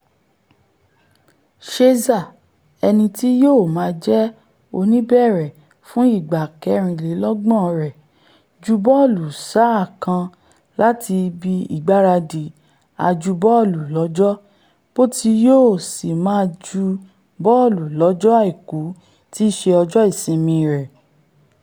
Scherzer, ẹni tí yóò máa jẹ́ oníbẹ̀rẹ̀ fún ìgbà kẹrìnlélọ́gbọ̀n rẹ̀, ju bọ́ọ̀lù sáà kan láti ibi ìgbaradì aju-bọ́ọ̀lù lọ́jọ́ 'Bọ̀ ti yóò sì máa ju bọ́ọ̀lu lọ́jọ́ Àìkú tííṣe ọjọ́ ìsinmi rẹ̀.